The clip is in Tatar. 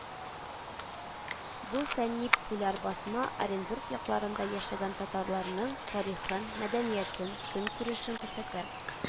“бу фәнни-популяр басма оренбур якларында яшәгән татарларның тарихын, мәдәниятен, көнкүрешен күрсәтә